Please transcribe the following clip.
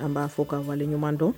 An b'a fɔ k' waleɲuman dɔn